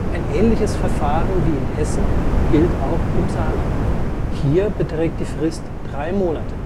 ähnliches Verfahren wie in Hessen gilt auch im Saarland; hier beträgt die Frist drei Monate